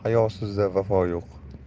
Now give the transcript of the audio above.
hayosizda vafo yo'q